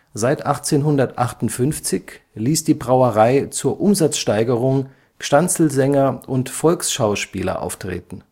Seit 1858 ließ die Brauerei zur Umsatzsteigerung Gstanzlsänger und Volksschauspieler auftreten